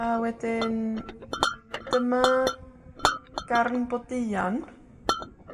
A wedyn, dyma Garn Bodeuon